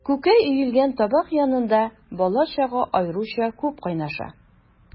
Күкәй өелгән табак янында бала-чага аеруча күп кайнаша.